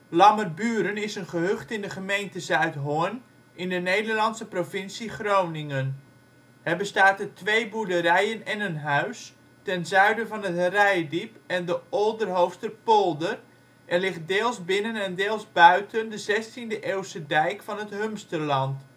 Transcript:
Lammerburen is een gehucht in de gemeente Zuidhorn in de Nederlandse provincie Groningen. Het bestaat uit twee boerderijen en een huis ten zuiden van het Reitdiep en de Oldehoofdsterpolder en ligt deels binnen en deels buiten de 16e eeuwse dijk van het Humsterland